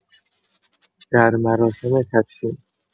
در مراسم تدفین